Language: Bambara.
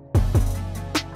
Wa